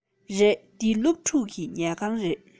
རེད འདི སློབ ཕྲུག གི ཉལ ཁང རེད